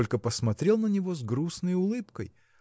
только посмотрел на него с грустной улыбкой.